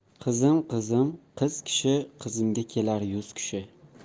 qizim qizim qiz kishi qizimga kelar yuz kishi